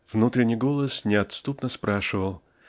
Внутренний голос неотступно спрашивал